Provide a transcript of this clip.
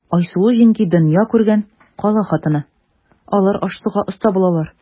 Айсылу җиңги дөнья күргән, кала хатыны, алар аш-суга оста булалар.